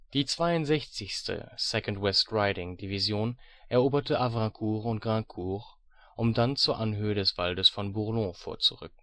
Die 62. (2. West Riding) Division eroberte Havrincourt und Graincourt, um dann zur Anhöhe des Waldes von Bourlon vorzurücken